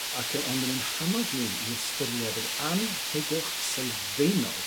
ac y- ond yn 'yn hannog ni i ystyried yr anhegwch sylfaenol